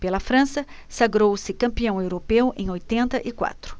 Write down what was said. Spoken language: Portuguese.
pela frança sagrou-se campeão europeu em oitenta e quatro